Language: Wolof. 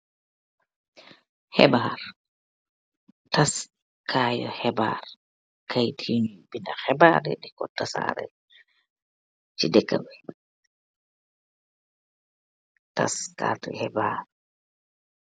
tasseh kai xhbar